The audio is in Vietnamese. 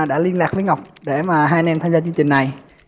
đã liên lạc với ngọc để mà hai anh em tham gia chương trình này